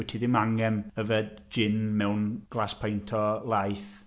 Wyt ti ddim angen yfed gin mewn glass peint o laeth.